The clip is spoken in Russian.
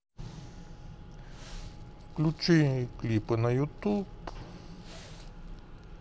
включи клипы на ютуб